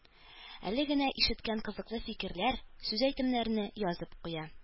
Әле генә ишеткән кызыклы фикерләр, сүз-әйтемнәрне язып куя